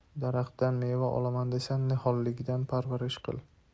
daraxtdan meva olaman desang niholligidan parvarish qil